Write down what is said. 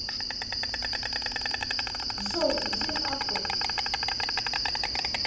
джой иди нахуй